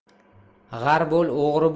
g'ar bo'l o'g'ri